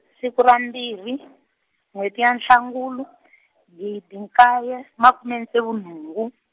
siku ra mbirhi, n'wheti ya Nhlangula, gidi nkaye, makume ntsevu nhungu.